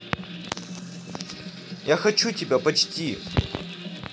я хочу тебя почти